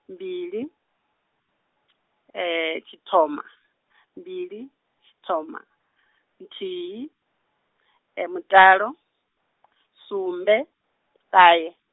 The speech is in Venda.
mbili, tshithoma, mbili, tshithoma, nthihi, mutalo, sumbe, ṱahe.